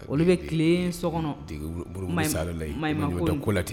Olu bɛ tile so kɔnɔ, maɲumantɔ ko la ten